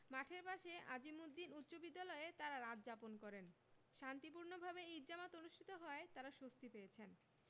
মাঠের পাশে আজিমুদ্দিন উচ্চবিদ্যালয়ে তাঁরা রাত যাপন করেন শান্তিপূর্ণভাবে ঈদ জামাত অনুষ্ঠিত হওয়ায় তাঁরা স্বস্তি পেয়েছেন